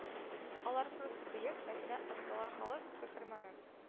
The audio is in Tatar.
Алар просто бөек сәхнә осталар халык каһарманы